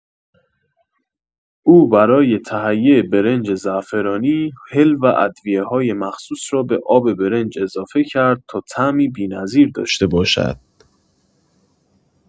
او برای تهیه برنج زعفرانی، هل و ادویه‌های مخصوص را به آب برنج اضافه کرد تا طعمی بی‌نظیر داشته باشد.